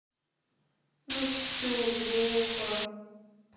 ну все плохо